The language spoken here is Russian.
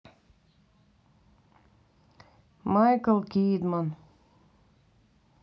майкл киддман